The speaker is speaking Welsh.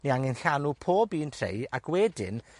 Ni angen llanw pob un tray, ag wedyn